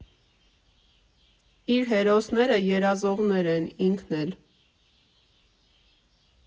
Իր հերոսները երազողներ են, ինքն էլ.